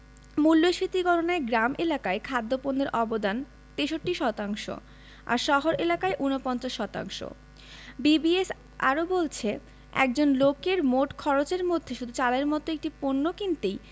মূল্যস্ফীতি গণনায় গ্রাম এলাকায় খাদ্যপণ্যের অবদান ৬৩ শতাংশ আর শহর এলাকায় ৪৯ শতাংশ বিবিএস আরও বলছে একজন লোকের মোট খরচের মধ্যে শুধু চালের মতো একটি পণ্য কিনতেই